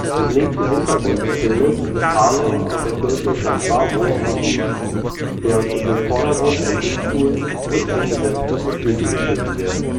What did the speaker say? Im linken Hintergrund des Bildes ist Haarlem mit der Kirche St. Bavo zu sehen, während im Bildvordergrund ein Webstuhl und ein Gesetzbuch mit Füßen getreten werden